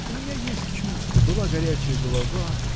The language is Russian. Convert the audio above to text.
У меня есть чувство, была горячая голова